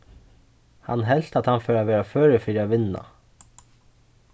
hann helt at hann fór at vera førur fyri at vinna